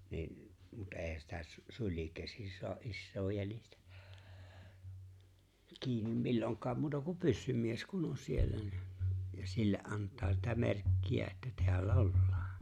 niin mutta eihän sitä - sulin käsin saa isoa jänistä kiinni milloinkaan muuta kuin pyssymies kun on siellä niin ja sille antaa sitä merkkiä että täällä ollaan